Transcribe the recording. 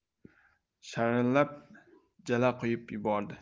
sharillab jala quyib yubordi